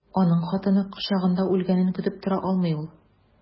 Аның хатыны кочагында үлгәнен көтеп тора алмый ул.